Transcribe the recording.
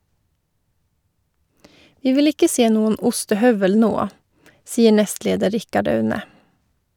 - Vi vil ikke se noen ostehøvel nå , sier nestleder Richard Aune.